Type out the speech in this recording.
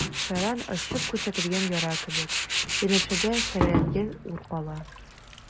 Шәрран ачып күрсәтелгән яра кебек, янәшәдә шәрәләнгән ур кала.